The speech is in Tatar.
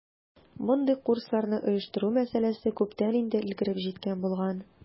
Мондый курсларны оештыру мәсьәләсе күптән инде өлгереп җиткән булган.